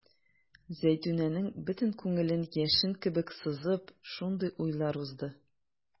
Зәйтүнәнең бөтен күңелен яшен кебек сызып шундый уйлар узды.